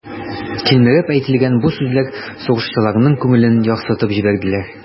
Тилмереп әйтелгән бу сүзләр сугышчыларның күңелен ярсытып җибәрделәр.